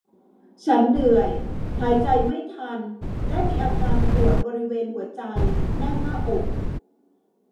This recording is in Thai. ฉันเหนื่อยหายใจไม่ทันและมีอาการปวดบริเวณหัวใจแน่นหน้าอก